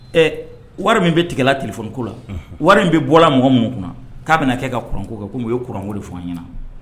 Ɛ wari min bɛ tigɛla tilefko la wari min bɛ bɔ mɔgɔ mun kunna k'a bɛna kɛ ka kuranko kɛ komi ye kko de fɔ an ɲɛna